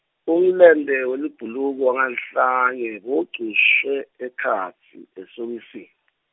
Umlente welibhuluko wanganhlanye bewugcushwe, ekhatsi, esokisini.